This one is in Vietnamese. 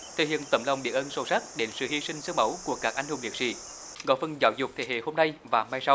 thể hiện tấm lòng biết ơn sâu sắc đến sự hy sinh xương máu của các anh hùng liệt sỹ góp phần giáo dục thế hệ hôm nay và mai sau